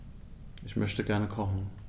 Ich möchte gerne kochen.